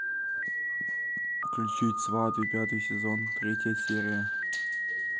включить сваты пятый сезон третья серия